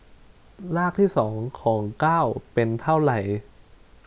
รากที่สองของเก้าเป็นเท่าไหร่